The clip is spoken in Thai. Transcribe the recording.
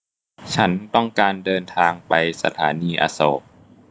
ฉันต้องการเดินทางไปสถานีอโศก